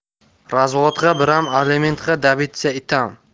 razvodg'a biram alimentg'a dabitsa itam